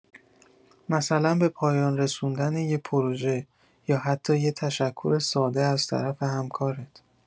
مثلا به پایان رسوندن یه پروژه، یا حتی یه تشکر ساده از طرف همکارت.